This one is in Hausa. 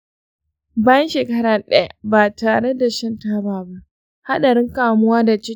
bayan shekara ɗaya ba tare da shan taba ba, haɗarin kamuwa da cututtukan zuciya yana raguwa da rabi.